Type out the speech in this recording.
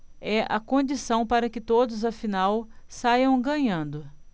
é a condição para que todos afinal saiam ganhando